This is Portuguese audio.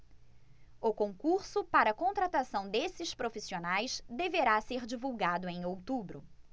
o concurso para contratação desses profissionais deverá ser divulgado em outubro